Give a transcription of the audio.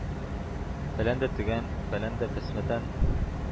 Фәлән дә төгән, фәлән дә фәсмәтән...